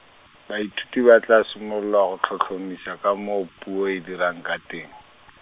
baithuti ba tla simolola go tlhotlhomisa ka moo puo e dirang ka teng.